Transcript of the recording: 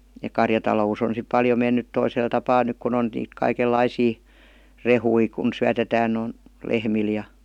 ja karjatalous on sitten paljon mennyt toisella tapaa nyt kun on niitä kaikenlaisia rehuja kun syötetään - lehmille ja